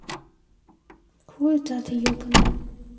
хуета ты ебаная